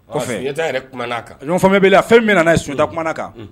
fɛn min bɛ nana ye Sunjata kumana kan